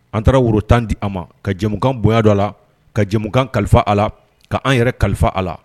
An taara woro tan di a ma ka jɛmukan bonya don a la ka jɛmukan kalifa a la ka an yɛrɛ kalifa a la